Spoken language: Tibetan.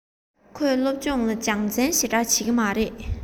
ཁོས སློབ སྦྱོང ལ སྦྱོང བརྩོན ཞེ དྲགས བྱེད ཀྱི མ རེད